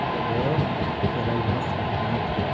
yo'q kerakmas rahmat